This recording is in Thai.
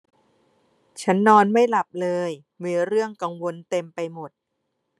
ฉันนอนไม่หลับเลยมีเรื่องกังวลเต็มไปหมด